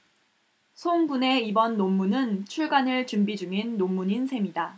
송 군의 이번 논문은 출간을 준비 중인 논문인 셈이다